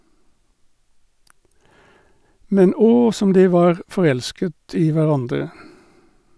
Men, åh som de var forelsket i hverandre.